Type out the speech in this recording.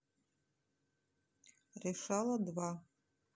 решала два